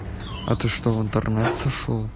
а ты что в интернет сошел